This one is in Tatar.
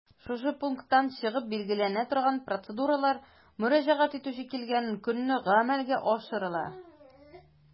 Шушы пункттан чыгып билгеләнә торган процедуралар мөрәҗәгать итүче килгән көнне гамәлгә ашырыла.